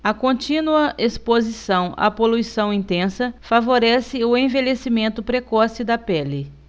a contínua exposição à poluição intensa favorece o envelhecimento precoce da pele